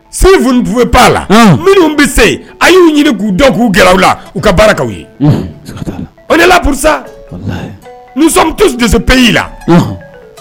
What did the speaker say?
Setu pan la minnu bɛ se a y'u ɲini k'u dɔ k'u gɛlɛya la u ka baarakaw ye o de la psa nu de se pe yyi i la